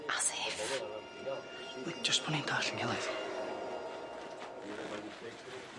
As if! Wait jys bo' ni'n dallt ein gilydd.